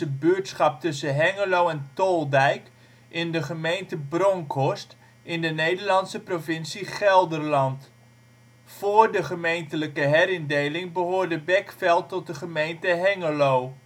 buurtschap tussen Hengelo en Toldijk in de gemeente Bronckhorst in de Nederlandse provincie Gelderland. Voor de gemeentelijke herindeling behoorde Bekveld tot de gemeente Hengelo